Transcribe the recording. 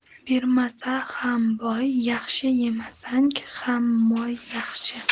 bermasa ham boy yaxshi yemasang ham moy yaxshi